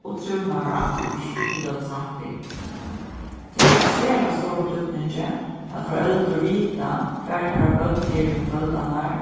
og trivnaður annars til dømis happing tað er av sera stórum týdningi at foreldur vita hvar teirra børn eru um kvøldarnar